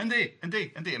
Yndi yndi yndi.